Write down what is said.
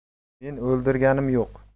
men o'ldirganim yo'q